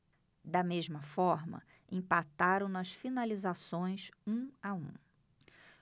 da mesma forma empataram nas finalizações um a um